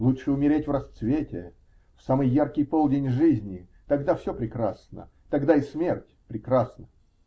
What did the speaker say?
Лучше умереть в расцвете, в самый яркий полдень жизни -- тогда все прекрасно, тогда и смерть прекрасна.